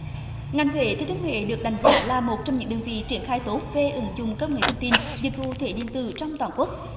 ngành thuế thừa thiên huế được đánh giá là một trong những đơn vị triển khai tốt về ứng dụng công nghệ thông tin dịch vụ thuế điện tử trong toàn quốc